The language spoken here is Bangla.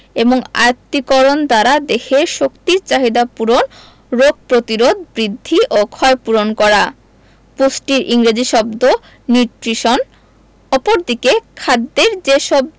এবং আত্তীকরণ দ্বারা দেহের শক্তির চাহিদা পূরণ রোগ প্রতিরোধ বৃদ্ধি ও ক্ষয়পূরণ করা পুষ্টির ইংরেজি শব্দ নিউট্রিশন অপরদিকে খাদ্যের যেসব